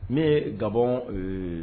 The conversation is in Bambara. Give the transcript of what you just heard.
N ye gabɔɔn